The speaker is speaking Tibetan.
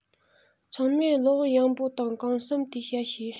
ཚང མས བློ བག ཡངས པོ དང གང བསམ དེ བཤད བྱས